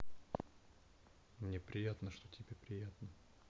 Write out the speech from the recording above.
мне приятно что тебе приятно